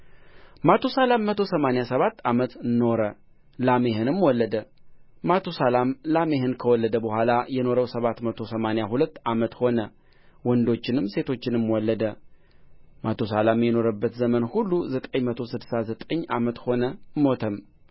ማቱሳላም መቶ ሰማኒያ ሰባት ዓመት ኖረ ላሜሕንም ወለደ ማቱሳላም ላሜሕን ከወለደ በኋላ የኖረው ሰባት መቶ ሰማንያ ሁለት ዓመት ሆነ ወንዶችንም ሴቶችንም ወለደ ማቱሳላም የኖረበት ዘመን ሁሉ ዘጠኝ መቶ ስድሳ ዘጠኝ ዓመት ሆነ ሞተም